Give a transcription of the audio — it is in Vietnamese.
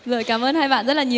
rồi cám ơn hai bạn rất là nhiều